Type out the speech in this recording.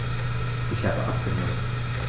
Ich habe abgenommen.